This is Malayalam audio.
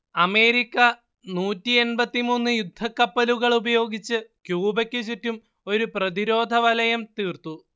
അമേരിക്ക നൂറ്റിയെൺപത്തിമൂന്ന് യുദ്ധക്കപ്പലുകളുപയോഗിച്ച് ക്യൂബക്കു ചുറ്റും ഒരു പ്രതിരോധവലയം തീർത്തു